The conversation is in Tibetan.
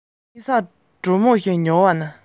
ཁ རྩོད བརྒྱབ པའི སྐད ཀྱིས